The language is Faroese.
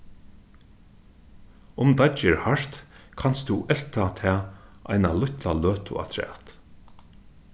um deiggið er hart kanst tú elta tað eina lítla løtu afturat